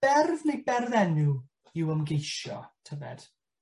Berf neu berfenw yw ymgeisio tybed?